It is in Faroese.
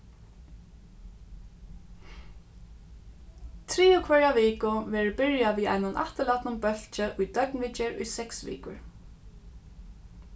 triðju hvørja viku verður byrjað við einum afturlatnum bólki í døgnviðgerð í seks vikur